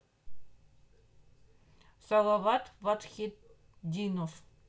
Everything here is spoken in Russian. салават фатхетдинов